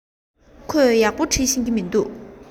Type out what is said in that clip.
ཁོས ཡག པོ འབྲི ཤེས ཀྱི མིན འདུག